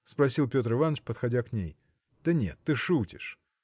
– спросил Петр Иваныч, подходя к ней, – да нет, ты шутишь!